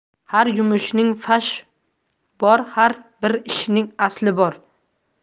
har yumushning fash bor har bir ishning asli bor